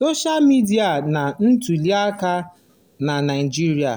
soshaa midịa na ntụliaka na Naịjirịa